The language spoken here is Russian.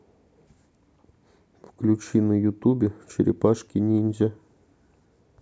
включи на ютубе черепашки ниндзя